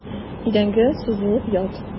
Идәнгә сузылып ят.